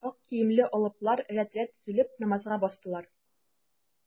Ак киемле алыплар рәт-рәт тезелеп, намазга бастылар.